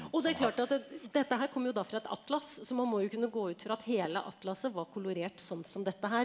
og det er klart at dette her kommer jo da fra et atlas, så man må jo kunne gå ut fra at hele atlaset var kolorert sånn som dette her.